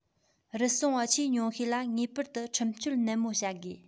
རུལ སུངས པ ཆེས ཉུང ཤས ལ ངེས པར དུ ཁྲིམས གཅོད ནན པོ བྱ དགོས